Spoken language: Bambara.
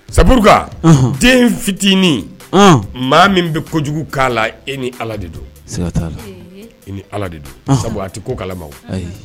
Sabulaka den fitinin maa min bɛ kojugu' la e ni ala de don i ni de do sabu a tɛ ko kalama